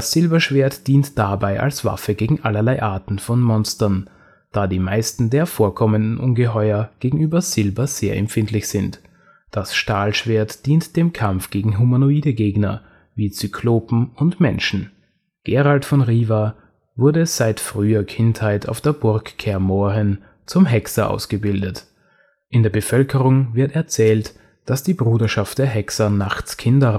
Silberschwert dient dabei als Waffe gegen allerlei Arten von Monstern, da die meisten der vorkommenden Ungeheuer gegenüber Silber sehr empfindlich sind, das Stahlschwert dient dem Kampf gegen humanoide Gegner wie Zyklopen und Menschen. Geralt von Riva wurde seit früher Kindheit auf der Burg Kaer Morhen zum Hexer ausgebildet. In der Bevölkerung wird erzählt, dass die Bruderschaft der Hexer nachts Kinder